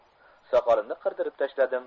soqolimni qirdirib tashladim